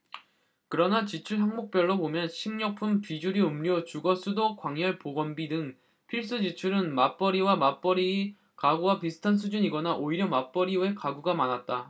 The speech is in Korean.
그러나 지출 항목별로 보면 식료품 비주류음료 주거 수도 광열 보건비 등 필수 지출은 맞벌이와 맞벌이 외 가구가 비슷한 수준이거나 오히려 맞벌이 외 가구가 많았다